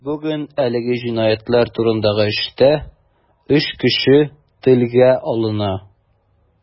Бүген әлеге җинаятьләр турындагы эштә өч кеше телгә алына.